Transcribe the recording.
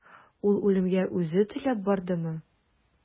Ул үлемгә үзе теләп бардымы?